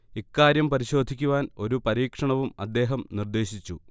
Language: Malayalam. ഇക്കാര്യം പരിേശാധിക്കുവാൻ ഒരു പരീക്ഷണവും അദ്ദേഹം നിർേദ്ദശിച്ചു